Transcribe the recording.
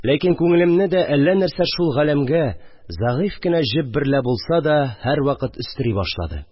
Ләкин күңелемне дә әллә нәрсә шул галәмгә зәгыйфь кенә җеп берлә булса да һәрвакыт өстери башы